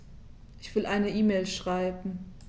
Ich will eine E-Mail schreiben.